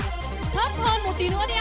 thấp hơn một tí nữa đi ạ